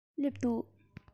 སླེབས འདུག